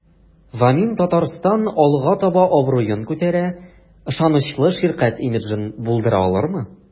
"вамин-татарстан” алга таба абруен күтәрә, ышанычлы ширкәт имиджын булдыра алырмы?